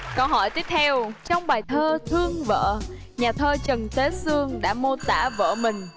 câu hỏi tiếp theo trong bài thơ thương vợ nhà thơ trần tế xương đã mô tả vợ mình